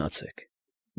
Գնացեք։